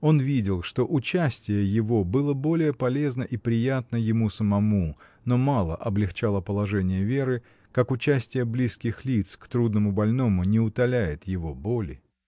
Он видел, что участие его было более полезно и приятно ему самому, но мало облегчало положение Веры, как участие близких лиц к трудному больному не утоляет его боли.